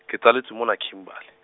ke tsaletswe mo na Kimberley.